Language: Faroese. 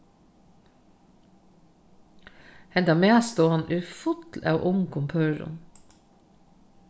henda matstovan er full av ungum pørum